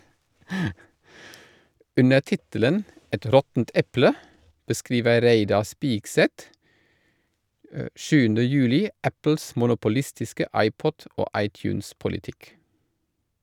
Under tittelen «Et råttent eple» beskriver Reidar Spigseth 7. juli Apples monopolistiske iPod- og iTunes-politikk.